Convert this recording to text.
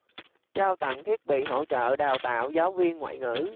trao tặng thiết bị hỗ trợ đào tạo giáo viên ngoại ngữ